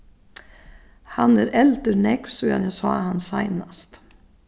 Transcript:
hann er eldur nógv síðan eg sá hann seinast